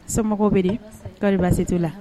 Somɔgɔw bɛ to baasi se' la